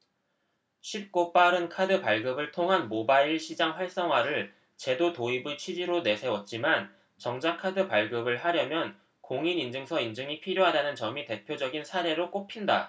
쉽고 빠른 카드 발급을 통한 모바일 시장 활성화를 제도 도입의 취지로 내세웠지만 정작 카드 발급을 하려면 공인인증서 인증이 필요하다는 점이 대표적인 사례로 꼽힌다